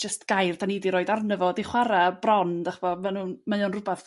jyst gair 'dan i 'di roid arno fo 'di chwara' bron dych'mo' ma' nhw'n... Mae o'n r'wbath